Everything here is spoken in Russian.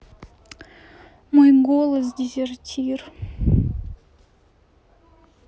мой голос дезертир